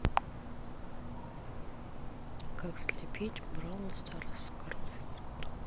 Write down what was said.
как слепить бравл старс гарфилд